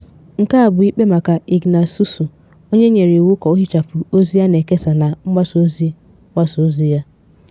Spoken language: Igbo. Nke a bụ ikpe maka Ignace Sossou, onye e nyere iwu ka ọ ihichapụ ozi a na-ekesa na mgbasa ozi mgbasa ozi ya.